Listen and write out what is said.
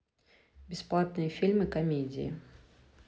бесплатные фильмы комедии